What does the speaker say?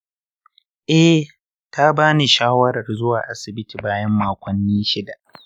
eh, ta ba ni shawarar zuwa asibiti bayan makonni shida.